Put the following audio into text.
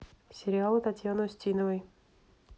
сериалы татьяны устиновой